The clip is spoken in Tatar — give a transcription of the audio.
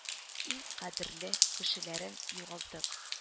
— иң кадерле кешеләрен югалтып